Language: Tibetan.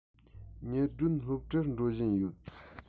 ཉི སྒྲོན སློབ གྲྭར འགྲོ བཞིན ཡོད